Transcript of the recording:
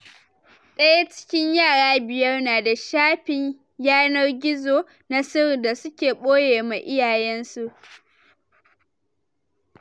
Daya cikin yara biyar na da shafin yanar gizo na sirri da suke boyema iyayen su